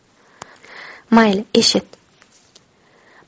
mayli eshit